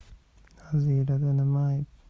nazirada nima ayb